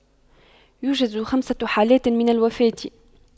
يوجد خمسة حالات من الوفاة